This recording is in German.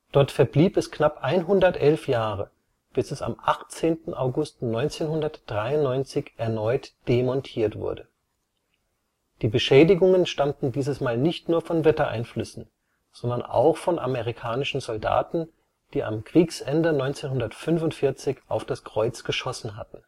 Dort verblieb es knapp 111 Jahre, bis es am 18. August 1993 erneut demontiert wurde. Die Beschädigungen stammten dieses Mal nicht nur von Wettereinflüssen, sondern auch von amerikanischen Soldaten, die am Kriegsende 1945 auf das Kreuz geschossen hatten